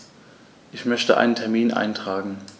Ich möchte einen Termin eintragen.